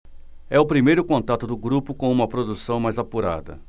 é o primeiro contato do grupo com uma produção mais apurada